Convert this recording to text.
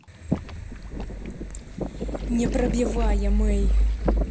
непробиваемый